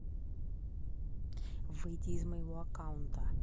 выйди из моего аккаунта